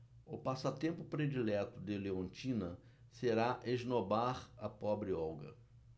o passatempo predileto de leontina será esnobar a pobre olga